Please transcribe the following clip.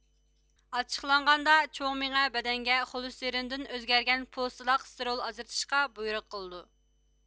ئاچچىقلانغاندا چوڭ مېڭە بەدەنگە خولېستېرىندىن ئۆزگەرگەن پوستلاق سترول ئاجرىتىشقا بۇيرۇق قىلىدۇ